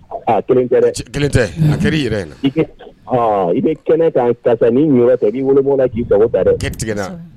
Kelen kelen tɛ a kelen yɛrɛ i bɛ kɛnɛ k'an ta ni yɛrɛ ta i'i wolo la k'i balo da kelen tigina